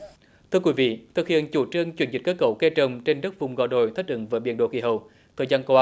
thưa quý vị thực hiện chủ trương chuyển dịch cơ cấu cây trồng trên đất vùng gò đồi thích ứng với biến đổi khí hậu thời gian qua